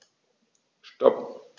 Stop.